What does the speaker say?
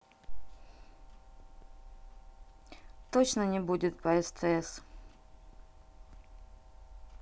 точно не будет по стс